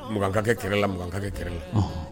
Makankakɛ kɛlɛ la mkakɛ kɛrɛ la